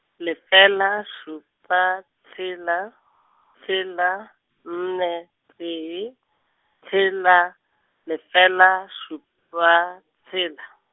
lefela, šupa, tshela, tshela, nne, tee, tshela, lefela, šupa, tshela.